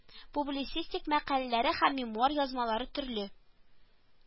Публицистик мәкаләләре һәм мемуар язмалары төрле